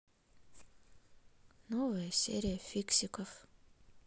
новая серия фиксиков